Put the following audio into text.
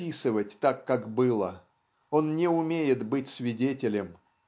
описывать так, как было; он не умеет быть свидетелем.